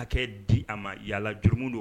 Hakɛ di a ma yala jurumu don